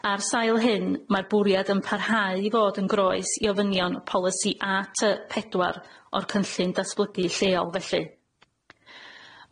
Ar sail hyn ma'r bwriad yn parhau i fod yn groes i ofynion polisi a ty pedwar o'r cynllun datblygu lleol felly.